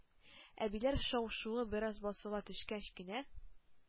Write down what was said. Әбиләр шау-шуы бераз басыла төшкәч кенә,